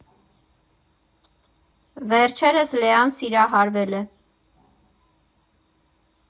Վերջերս Լեան սիրահարվել է։